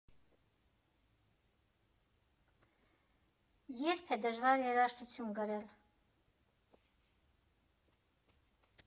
Ե՞րբ է դժվար երաժշտություն գրել։